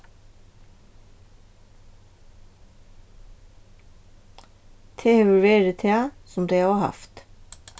tað hevur verið tað sum tey hava havt